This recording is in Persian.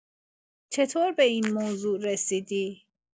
چطور به این موضوع رسیدی؟